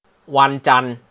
วันจันทร์